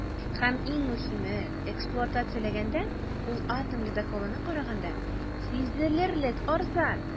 Һәм, иң мөһиме, эксплуатацияләгәндә ул атом ледоколына караганда сизелерлек арзан.